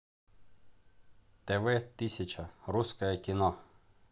тв тысяча русское кино